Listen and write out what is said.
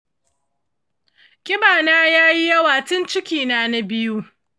ƙiba na yayi yawa tin cikina na biyu